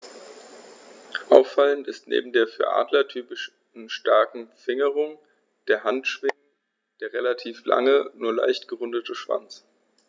Auffallend ist neben der für Adler typischen starken Fingerung der Handschwingen der relativ lange, nur leicht gerundete Schwanz.